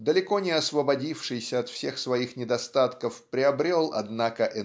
далеко не освободившийся от всех своих недостатков приобрел однако